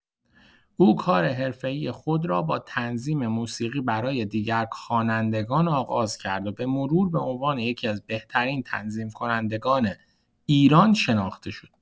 او کار حرفه‌ای خود را با تنظیم موسیقی برای دیگر خوانندگان آغاز کرد و به‌مرور به عنوان یکی‌از بهترین تنظیم‌کنندگان ایران شناخته شد.